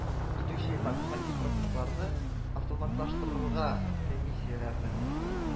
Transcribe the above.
Итүче мәгълүмати процессларны автоматлаштырырга, комиссияләрнең